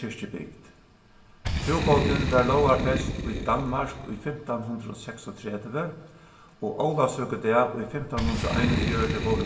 kirkjubygd trúbótin varð lógarfest í danmark í fimtan hundrað og seksogtretivu og ólavsøkudag í fimtan hundrað og einogfjøruti vórðu